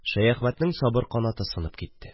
Шәяхмәтнең сабыр канаты сынып китте